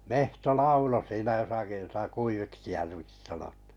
metso lauloi siinä jossakin jota Kuiviksi Järviksi -